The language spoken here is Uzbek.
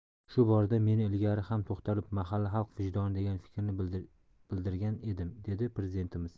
shu borada men ilgari ham to'xtalib mahalla xalq vijdoni degan fikrni bildirgan edim dedi prezidentimiz